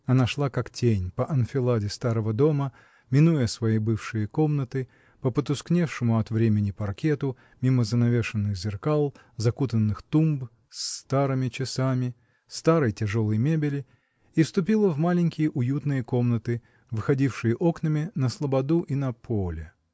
Она шла как тень по анфиладе старого дома, минуя свои бывшие комнаты, по потускневшему от времени паркету, мимо занавешанных зеркал, закутанных тумб с старыми часами, старой, тяжелой мебели, и вступила в маленькие уютные комнаты, выходившие окнами на слободу и на поле.